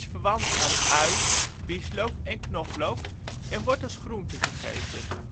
verwant aan ui, bieslook en knoflook en wordt als groente gegeten